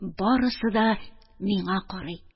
Барысы да миңа карый.